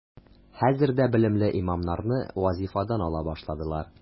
Хәзер дә белемле имамнарны вазифадан ала башладылар.